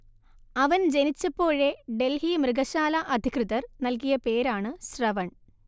അവൻ ജനിച്ചപ്പോഴേ ഡൽഹി മൃഗശാലാ അധികൃതർ നൽകിയ പേരാണ് ശ്രവൺ